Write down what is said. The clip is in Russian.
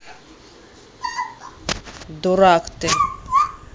дурак ты